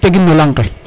tegin no laŋ ke